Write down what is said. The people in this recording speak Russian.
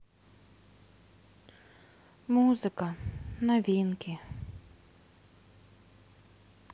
музыка новинки